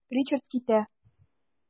Ричард китә.